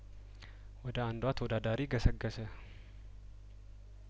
ወደ አንዷ ተወዳዳሪ ገሰገሰ